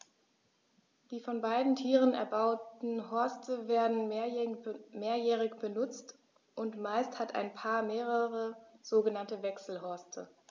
Die von beiden Tieren erbauten Horste werden mehrjährig benutzt, und meist hat ein Paar mehrere sogenannte Wechselhorste.